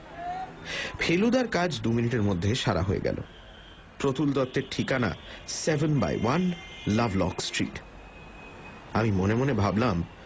ফেলুদার কাজ দুমিনিটের মধ্যে সারা হয়ে গেল প্রতুল দত্তের ঠিকানা seven by one Lovelock street আমি মনে ভাবলাম